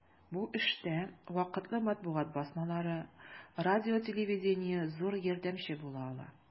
Бу эштә вакытлы матбугат басмалары, радио-телевидение зур ярдәмче була ала.